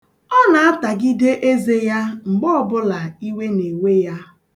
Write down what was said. Ọ na-atagide eze ya mgbe ọbụla iwe na-ewe ya.